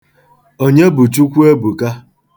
Onye bụ Chukwuebuka?